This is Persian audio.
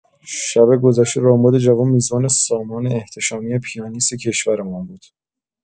شب گذشته رامبد جوان، میزبان سامان احتشامی پیانیست کشورمان بود.